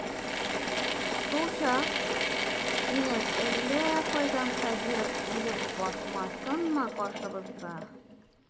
Шулчак кинәт әллә кайдан Сабиров килеп басмасынмы каршыбызга.